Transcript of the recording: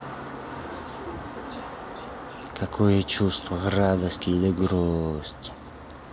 какое чувство радость или грусть